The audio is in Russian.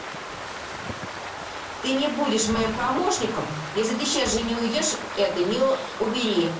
ты не будешь моим помощником если ты сейчас же не уведешь это не убери